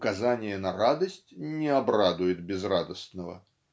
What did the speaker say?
указание на радость не обрадует безрадостного.